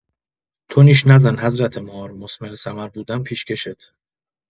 تو نیش نزن حضرت مار، مثمر ثمر بودن پیشکشت.